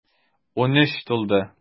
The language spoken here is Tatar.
Унөч тулды.